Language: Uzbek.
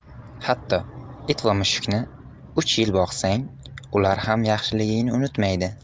hatto it va mushukni uch yil boqsang ular ham yaxshiligingni unutmaydi